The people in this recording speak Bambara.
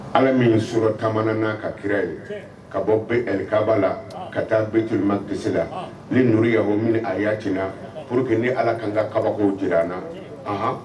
Ala min sɔrɔ ta na ka kira ye ka bɔ kababa la ka taa bitu ma kisi la ni kawo min a yaaina pur que ni ala ka kan ka kabako jira an na